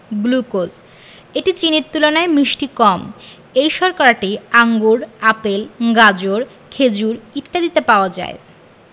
glucose এটি চিনির তুলনায় মিষ্টি কম এই শর্করাটি আঙুর আপেল গাজর খেজুর ইত্যাদিতে পাওয়া যায়